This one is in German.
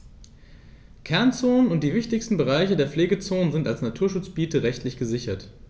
Kernzonen und die wichtigsten Bereiche der Pflegezone sind als Naturschutzgebiete rechtlich gesichert.